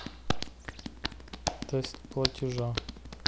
тест платежа